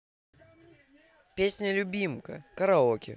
песня любимка караоке